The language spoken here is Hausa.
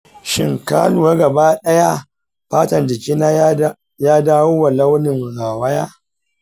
shin ka lura gaba daya fatan jikina ya dawowa launin rawaya?